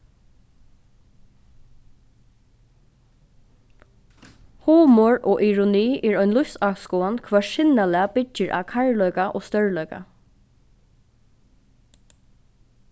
humor og ironi er ein lívsáskoðan hvørs sinnalag byggir á kærleika og stórleika